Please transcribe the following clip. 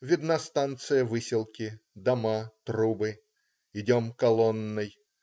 Видна станция Выселки, дома, трубы. Идем колонной.